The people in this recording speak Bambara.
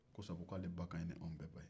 ko sabu k'ale ba ka ɲin n'anw bɛɛ ba ye